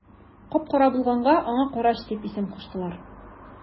Кап-кара булганга аңа карач дип исем куштылар.